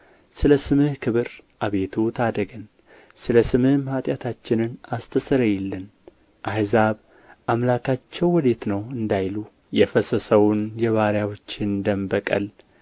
ስለ ስምህም ኃጢአታችንን አስተሰርይልን አሕዛብ አምላካቸው ወዴት ነው እንዳይሉ የፈሰሰውን የባሪያዎችህን ደም በቀል